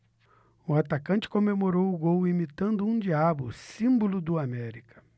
o atacante comemorou o gol imitando um diabo símbolo do américa